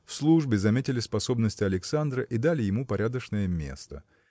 В службе заметили способности Александра и дали ему порядочное место.